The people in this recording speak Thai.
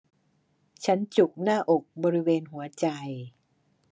ฉันจุกหน้าอกบริเวณหัวใจ